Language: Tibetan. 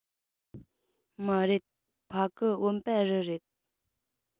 མ རེད ཕ གི བུམ པ རི རེད